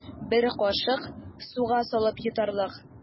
Бер кашык суга салып йотарлык.